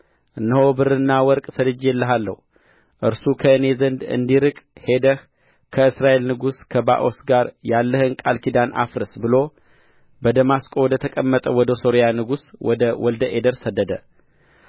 እነሆ ብርና ወርቅ ሰድጄልሃለሁ እርሱ ከእኔ ዘንድ እንዲርቅ ሄደህ ከእስራኤል ንጉሥ ከባኦስ ጋር ያለህን ቃል ኪዳን አፍርስ ብሎ በደማስቆ ወደተቀመጠው ወደ ሶሪያ ንጉሥ ወደ ወልደ አዴር ሰደደ